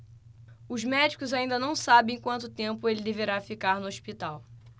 os médicos ainda não sabem quanto tempo ele deverá ficar no hospital